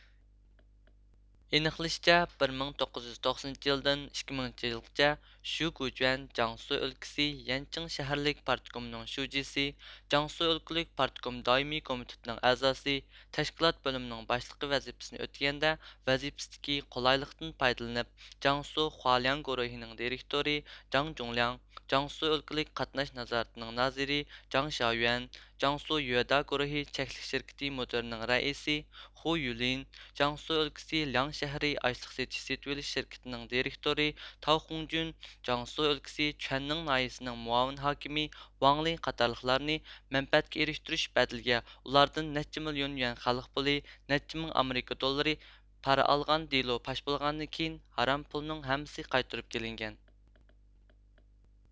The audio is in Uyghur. ئېنىقلىشىچە بىر مىڭ توققۇز يۈز توقسەنىنچى يىلىدىن ئىككى مىڭىنچى يىلىغىچە شۈگوجيەن جياڭسۇ ئۆلكىسى يەنچېڭ شەھەرلىك پارتكومنىڭ شۇجىسى جياڭسۇ ئۆلكىلىك پارتكوم دائىمىي كومىتېتىنىڭ ئەزاسى تەشكىلات بۆلۈمىنىڭ باشلىقى ۋەزىپىسىنى ئۆتىگەندە ۋەزىپىسىدىكى قۇلايلىقىدىن پايدىلىنىپ جياڭسۇ خۇالياڭ گۇرۇھىنىڭ دىرېكتورى جاڭجۇڭلياڭ جياڭسۇ ئۆلكىلىك قاتناش نازارىتىنىڭ نازىرى جاڭشيايۈەن جياڭسۇ يۆدا گۇرۇھى چەكلىك شىركىتى مۇدىرىنىڭ رەئىسى خۇيۇلىن جياڭسۇ ئۆلكىسى لىياڭ شەھىرى ئاشلىق سېتىش سېتىۋېلىش شىركىتىنىڭ دېرىكتورى تاۋخۇڭجۈن جياڭسۇ ئۆلكىسى چۈەننىڭ ناھىيىسىنىڭ مۇئاۋىن ھاكىمى ۋاڭلى قاتارلىقلارنى مەنپەئەتكە ئېرىشتۈرۈش بەدىلىگە ئۇلاردىن نەچچە مىليون يۈەن خەلق پۇلى نەچچە مىڭ ئامېرىكا دوللىرى پارا ئالغان دېلو پاش بولغاندىن كېيىن ھارام پۇلنىڭ ھەممىسى قايتۇرۇپ كېلىنگەن